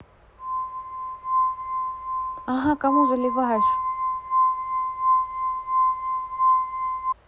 ага кому заливаешь